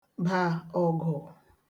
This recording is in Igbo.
bà ọ̀gụ̀